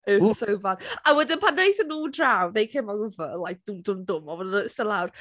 It was so bad. A wedyn pan ddaethon nhw draw, they came over like dwm, dwm, dwm a eistedd lawr.